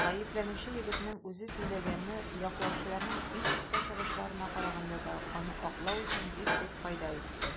Гаепләнүче егетнең үзе сөйләгәне яклаучыларның иң оста чыгышларына караганда да аны аклау өчен бик күп файда итте.